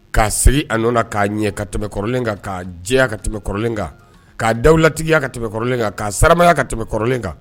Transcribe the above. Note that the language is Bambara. K'a siri a nɔ na k'a ɲɛ, ka tɛmɛ kɔrɔlen kan , a ka jɛya ka tɛmɛ kɔrɔlen kan, k'a dawatigiya ka tɛmɛ kɔrɔlen kan, k'a saraya ka tɛmɛ kɔrɔlen kan